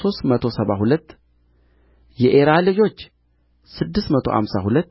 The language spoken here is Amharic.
ሦስት መቶ ሰባ ሁለት የኤራ ልጆች ስድስት መቶ አምሳ ሁለት